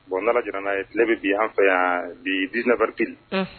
Bon nana j n' ye tile bɛ bi an fɛ yan bi diinabari